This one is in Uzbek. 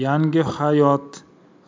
yangi hayot